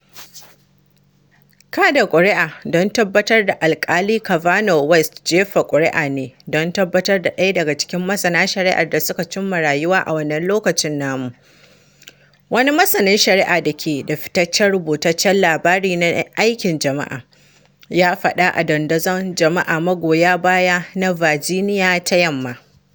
“Kaɗa ƙuri’a don tabbatar da Alkali Kavanaugh West jefa ƙuri’a ne don tabbatar da ɗaya daga cikin masana shari’a da suka cimma rayuwa a wannan loƙacin namu, wani masanin shari’a da ke da fitaccen rubutaccen labari na aikin jama’a,” ya faɗa a dandazon jama’a magoya baya na Virginia ta Yamma.